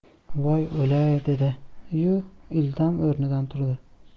voy o'lay dedi yu ildam o'rnidan turdi